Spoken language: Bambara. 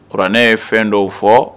Kuranɛ ye fɛn dɔw fɔ